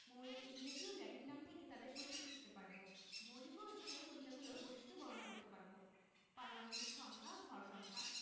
মৌলের ইংরেজি ও ল্যাটিন নাম থেকে তাদের প্রতীক লিখতে পারব মৌলিক ও স্থায়ী কণিকাগুলোর বৈশিষ্ট্য বর্ণনা করতে পারব পারমাণবিক সংখ্যা ভর সংখ্যা